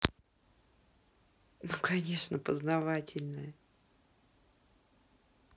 ну конечно познавательная